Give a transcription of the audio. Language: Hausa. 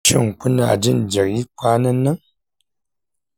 shin kuna jin jiri kwanan nan?